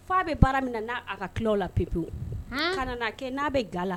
Fa a bɛ baara min na n'a a ka kiw la pepiwu ka na kɛ n'a bɛ ga la